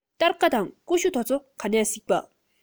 སྟར ཁ དང ཀུ ཤུ དེ ཚོ ག ནས གཟིགས པ